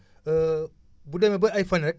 bu demee ba ay fan rekk